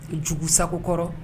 Jugu sagogo kɔrɔ